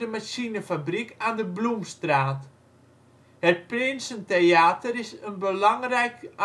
Machinefabriek aan de Bloemstraat. Het Prinsentheater is een belangrijk amateurtheaterpodium